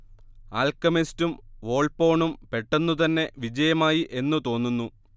ആൽക്കെമിസ്റ്റും വോൾപ്പോണും പെട്ടെന്നുതന്നെ വിജയമായി എന്നു തോന്നുന്നു